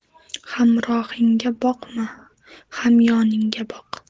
hamrohingga boqma hamyoningga boq